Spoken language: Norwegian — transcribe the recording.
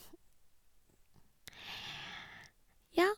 Ja.